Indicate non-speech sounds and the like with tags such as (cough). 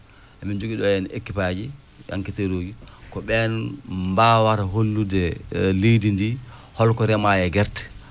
emin jogii ɗo heen équipes aji enquêteur uji ko ɓeen mbaawata hollude (hesitation) leydi ndi holko remaa e gerte